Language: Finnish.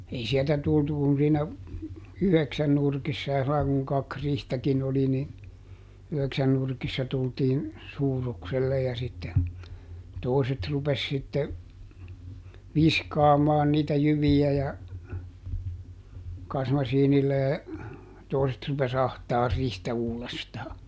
ei sieltä tultu kuin siinä yhdeksän nurkissa ja sillä lailla kun kaksi riihtäkin oli niin yhdeksän nurkissa tultiin suurukselle ja sitten toiset rupesi sitten viskaamaan niitä jyviä ja kasmasiinilla ja toiset rupesi ahtaamaan riihtä uudestaan